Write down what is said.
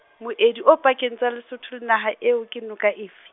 moedi o pakeng tsa Lesotho le naha eo ke noka efe?